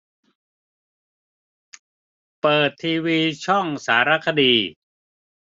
เปิดทีวีช่องสารคดี